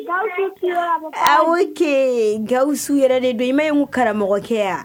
A' kɛ gasiw yɛrɛ de bɛ ma karamɔgɔkɛ yan